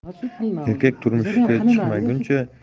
erkak turmushga chiqmaguncha